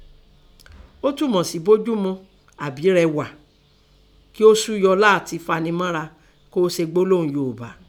Ọ́ túmọ̀ sé “bójúmu," àbí “rẹghà," kí ọ súyọ látin fanimó̩ra kóó se gbólóhùn Yoòbá.